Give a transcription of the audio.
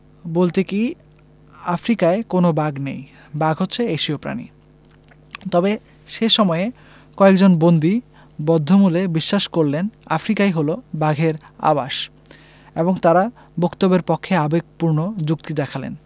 বলতে কী আফ্রিকায় কোনো বাঘ নেই বাঘ হচ্ছে এশীয় প্রাণী তবে সে সময়ে কয়েকজন বন্দী বদ্ধমূল বিশ্বাস করলেন আফ্রিকাই হলো বাঘের আবাস এবং তারা বক্তব্যের পক্ষে আবেগপূর্ণ যুক্তি দেখালেন